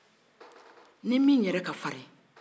ni min yɛrɛ ka farin